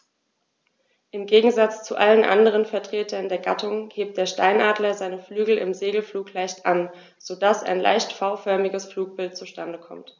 Im Gegensatz zu allen anderen Vertretern der Gattung hebt der Steinadler seine Flügel im Segelflug leicht an, so dass ein leicht V-förmiges Flugbild zustande kommt.